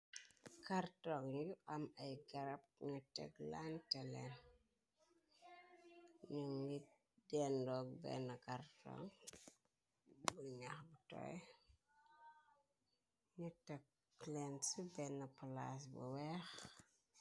Kartong yuy am ay garab ñu tek lante len ñu ngi dendoog benn cartong bur ñax bu toy ñu tek leen ci benn palaas bu weex.